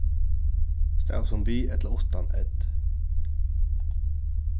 stavast hon við ella uttan ð